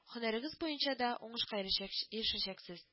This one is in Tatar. Һөнәрегез буенча да уңышка ирешәкч ирешәчәксез